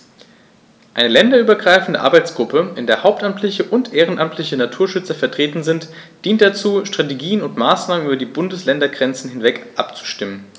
Eine länderübergreifende Arbeitsgruppe, in der hauptamtliche und ehrenamtliche Naturschützer vertreten sind, dient dazu, Strategien und Maßnahmen über die Bundesländergrenzen hinweg abzustimmen.